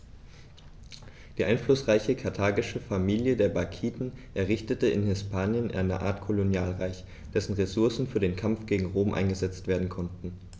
Die einflussreiche karthagische Familie der Barkiden errichtete in Hispanien eine Art Kolonialreich, dessen Ressourcen für den Kampf gegen Rom eingesetzt werden konnten.